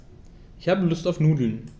Ich habe Lust auf Nudeln.